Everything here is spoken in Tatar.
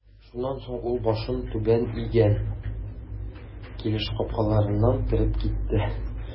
Шуннан соң ул башын түбән игән килеш капкаларыннан кереп китте.